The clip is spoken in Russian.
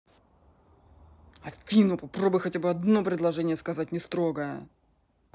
афина попробуй хотя бы одно предложение сказать не строго